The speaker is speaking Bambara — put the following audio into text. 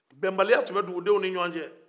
bɛnbaliya tun bɛ dugudenw ni ɲwan cɛ